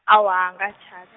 awa angatjhad-.